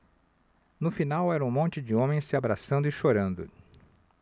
no final era um monte de homens se abraçando e chorando